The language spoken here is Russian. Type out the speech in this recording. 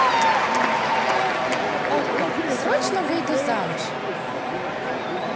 okko срочно выйду замуж